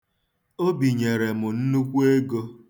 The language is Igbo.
O binyere m nnukwu ego.